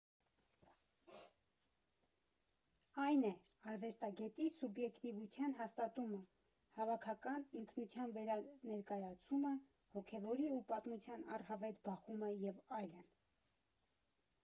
Այն է՝ արվեստագետի սուբյեկտիվության հաստատումը, հավաքակական ինքնության վերաներկայացումը, հոգևորի ու պատմության առհավետ բախումը և այլն։